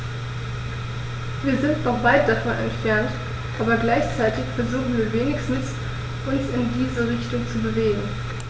Wir sind noch weit davon entfernt, aber gleichzeitig versuchen wir wenigstens, uns in diese Richtung zu bewegen.